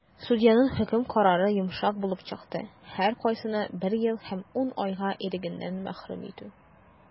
Судьяның хөкем карары йомшак булып чыкты - һәркайсына бер ел һәм 10 айга ирегеннән мәхрүм итү.